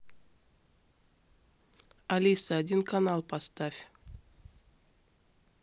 алиса один канал поставь